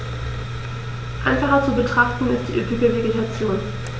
Einfacher zu betrachten ist die üppige Vegetation.